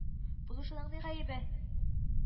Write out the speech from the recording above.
– булышуның ни гаебе